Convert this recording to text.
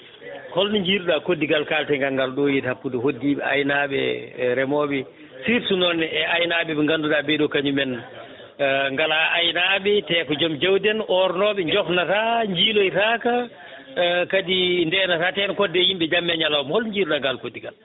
holno jiiruɗa koddigal kalte ngal ɗo e hakkude hoddiɓe aynaɓe e remoɓe surtout noon e aynaɓe ɓe ganduɗa ɓeeɗo kañumen gaala aynaɓe te ko joom jawdi en ko ornoɓe jofnata jiiloytako kadi ndenata te ne kodde yimɓe jamma e ñalawma holno jiiruɗa ngal koddigal